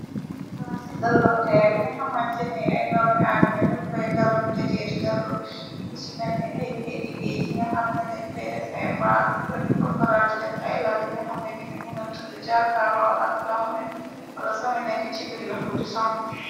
Kalaas ci dallookaay bi nga xamante ni, ay doomi adama ñur poy dal dajeeti dallur, di ci melni ay pay diggéey, ci nga xam na dañ fay def ay mbaark, prodiko faralti dex ay lal yina xame dini mënë tëddu, jaakaar loo ak ndox mi, wala sana nekk ci biir ndox lu disong.